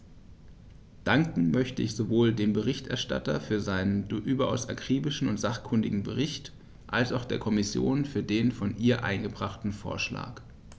Danken möchte ich sowohl dem Berichterstatter für seinen überaus akribischen und sachkundigen Bericht als auch der Kommission für den von ihr eingebrachten Vorschlag.